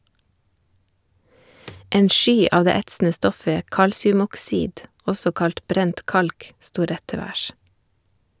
En sky av det etsende stoffet kalsiumoksid, også kalt brent kalk, sto rett til værs.